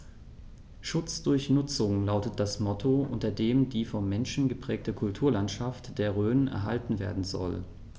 „Schutz durch Nutzung“ lautet das Motto, unter dem die vom Menschen geprägte Kulturlandschaft der Rhön erhalten werden soll.